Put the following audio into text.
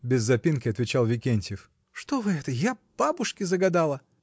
— без запинки отвечал Викентьев. — Что вы это! Я бабушке загадала.